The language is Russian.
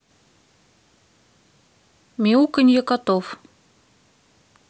мяуканье котов